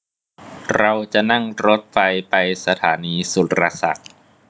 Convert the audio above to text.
เราจะนั่งรถไฟไปสถานีสุรศักดิ์